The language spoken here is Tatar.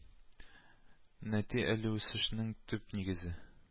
Нәти әле үсешнең төп нигезе